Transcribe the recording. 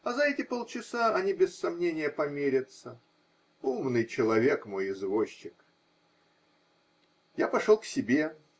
А за эти полчаса, они, без сомнения, помирятся. Умный человек мой извозчик. Я пошел к себе.